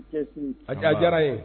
A diyara diyara ye